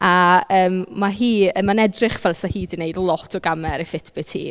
A yym ma' hi... yy mae'n edrych fel 'sa hi 'di wneud lot o gamau ar ei Fitbit hi.